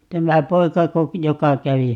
tämä poikako joka kävi